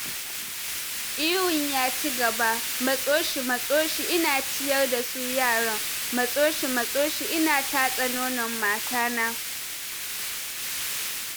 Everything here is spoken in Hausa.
Ihun ya cigaba: "Matso shi, Matso shi, ina ciyar da su yaran, Matso shi, Matso shi, ina tatse nono matana."